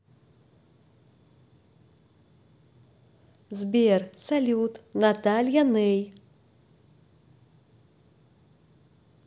сбер салют наталья ней